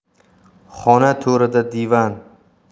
xona to'rida divan